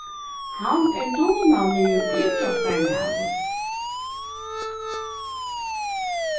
hann er dugnaligur ítróttarmaður